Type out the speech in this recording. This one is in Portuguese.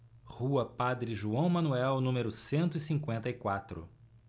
rua padre joão manuel número cento e cinquenta e quatro